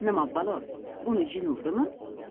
nima balo uni jin urdimi